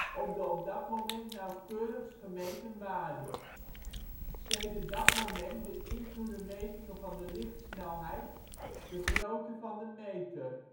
op de op dat moment nauwkeurigst gemeten waarde. Sedert dat moment beïnvloeden metingen van de lichtsnelheid de grootte van de meter